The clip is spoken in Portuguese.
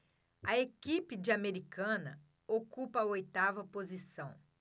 a equipe de americana ocupa a oitava posição